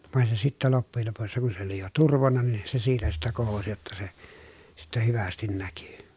vaan se sitten loppujen lopussa kun se oli jo turvonnut niin se siitä sitten kohosi jotta se sitten hyvästi näkyi